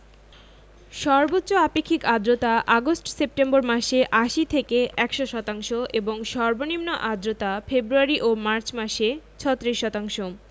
সর্বোচ্চ আপেক্ষিক আর্দ্রতা আগস্ট সেপ্টেম্বর মাসে ৮০ থেকে ১০০ শতাংশ এবং সর্বনিম্ন আর্দ্রতা ফেব্রুয়ারি ও মার্চ মাসে ৩৬ শতাংশ